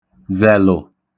zẹ̀lụ